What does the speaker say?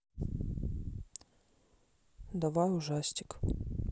давай ужастик